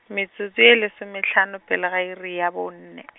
metsotso e lesomehlano pele ga iri ya bone.